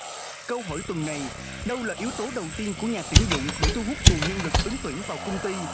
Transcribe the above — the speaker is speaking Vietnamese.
câu hỏi tuần này đâu là yếu tố đầu tiên của nhà tuyển dụng để thu hút nguồn nhân lực ứng tuyển vào công ty